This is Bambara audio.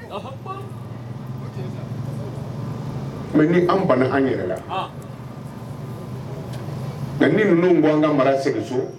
Mɛ ni an bana an yɛrɛ la nka ni ninnu' an ka mara segin so